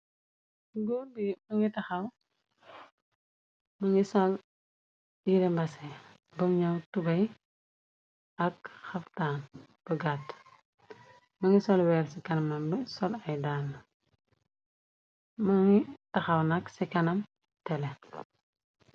Góor bi ma ngi taxaw ma ngi sol yire mbase bëm ñëw tubay ak xaftaan ba gatt ma ngi sol weer ci kanamam bi sol ay daan më ngi taxaw nak ci kanam tele.